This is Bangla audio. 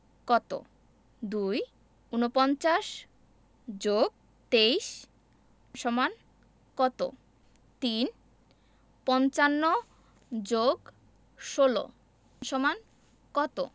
কত ২ ৪৯ + ২৩ = কত ৩ ৫৫ + ১৬ = কত